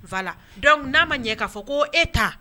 Fa n'a ma ɲɛ'a fɔ ko e ta